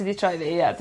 ...ti 'di troi fi ie.